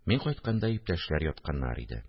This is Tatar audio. Мин кайтканда, иптәшләр ятканнар иде